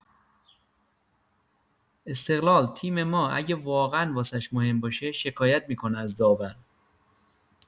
استقلال تیم ما اگه واقعا واسش مهم باشه شکایت می‌کنه از داور